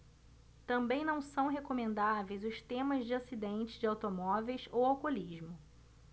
também não são recomendáveis os temas de acidentes de automóveis ou alcoolismo